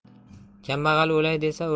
kambag'al o'lay desa